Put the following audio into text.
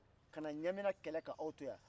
ka na ɲamina kɛlɛ ka aw to yan